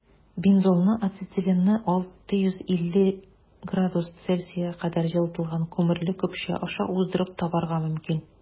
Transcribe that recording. Бензолны ацетиленны 650 С кадәр җылытылган күмерле көпшә аша уздырып табарга мөмкин.